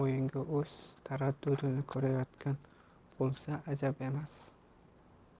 o'z taraddudini ko'rayotgan bo'lsa ajab emas